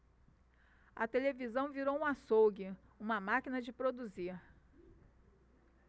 a televisão virou um açougue uma máquina de produzir